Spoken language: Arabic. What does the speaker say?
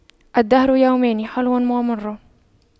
الدهر يومان حلو ومر